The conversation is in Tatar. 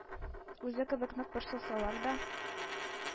Үзе кебек нык борчылсалар да,